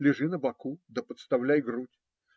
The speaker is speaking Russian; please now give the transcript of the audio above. лежи на боку да подставляй грудь.